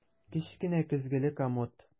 Кечкенә көзгеле комод.